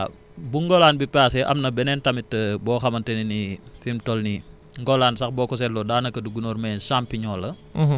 voilà bu ngolaan bi paasee am na beneen tamit boo xamante ne nii fi mu toll nii ngolaan sax boo ko seetloo daanaka du gunóor mais champignon la